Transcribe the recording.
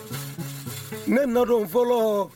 Ne nɔ don fɔlɔɔ